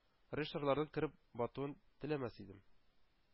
Режиссерларның кереп батуын теләмәс идем.